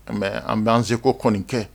An bɛ ananse ko kɔni kɛ